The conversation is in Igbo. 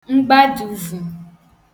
mgbadauvu